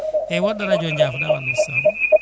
eyyi woɗɗo radio o jaafoɗa *